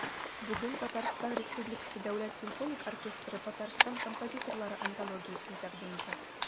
Бүген ТР Дәүләт симфоник оркестры Татарстан композиторлары антологиясен тәкъдим итә.